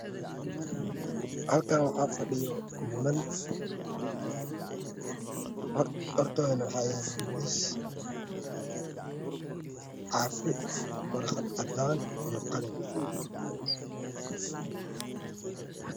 Halkaan waxaa fadhiyo niman hortoodana waxaa yaallo miis caafi ,warqad caddaan iyo qalin